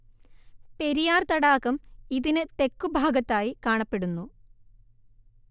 പെരിയാർ തടാകം ഇതിന് തെക്കു ഭാഗത്തായി കാണപ്പെടുന്നു